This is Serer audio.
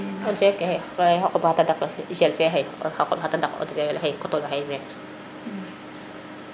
eaux de javel xe xa qoɓ xa taɗak gel fe xay xa qoɓ xa taɗak eaux de javel xay kotol o xay men